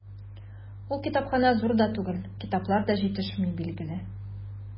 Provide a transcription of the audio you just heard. Ул китапханә зур да түгел, китаплар да җитешми, билгеле.